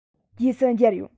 རྗེས སུ མཇལ ཡོང